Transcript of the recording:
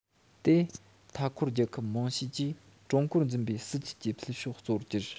དེ མཐའ སྐོར རྒྱལ ཁབ མང ཤོས ཀྱིས ཀྲུང གོར འཛིན པའི སྲིད ཇུས ཀྱི འཕེལ ཕྱོགས གཙོ བོར གྱུར